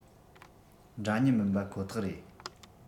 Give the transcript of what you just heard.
འདྲ མཉམ མིན པ ཁོ ཐག རེད